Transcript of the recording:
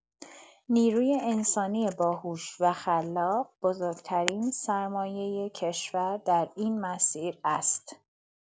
نیروی انسانی باهوش و خلاق، بزرگ‌ترین سرمایه کشور در این مسیر است.